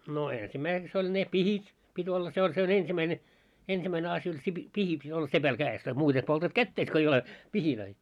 no ensimmäiseksi oli ne pihdit piti olla se oli se on ensimmäinen ensimmäinen asia oli se - pihti piti olla sepällä kädessä tai muuten poltat kätesi kun ei ole pihejä